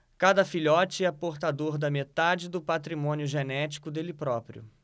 cada filhote é portador da metade do patrimônio genético dele próprio